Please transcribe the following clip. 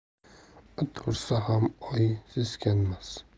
it hursa ham oy seskanmas